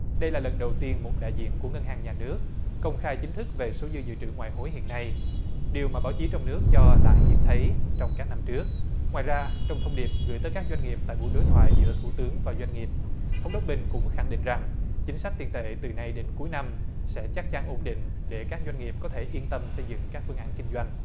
đây là lần đầu tiên một đại diện của ngân hàng nhà nước công khai chính thức về số dư dự trữ ngoại hối hiện nay điều mà báo chí trong nước cho là hiếm thấy trong các năm trước ngoài ra trong thông điệp gửi tới các doanh nghiệp tại buổi đối thoại giữa thủ tướng và doanh nghiệp thống đốc bình cũng khẳng định rằng chính sách tiền tệ từ nay đến cuối năm sẽ chắc chắn ổn định để các doanh nghiệp có thể yên tâm xây dựng các phương án kinh doanh